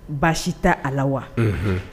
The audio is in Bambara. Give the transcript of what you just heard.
Baasi t tɛ a la wa